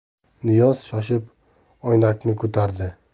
niyoz shoshib oynakni ko'tardi